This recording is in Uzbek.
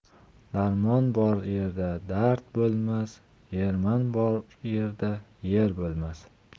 darmon bor yerda dard bo'lmas erman bor yerda er o'lmas